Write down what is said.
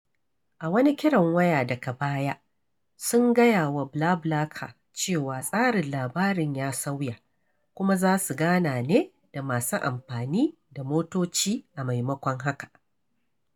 A wani kiran waya daga baya, sun gaya wa BlaBlaCar cewa tsarin labarin ya sauya kuma za su gana ne da masu amfani da motoci a maimakon haka.